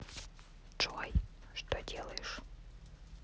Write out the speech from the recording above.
джой что делаешь